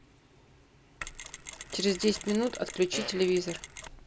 через десять минут отключи телевизор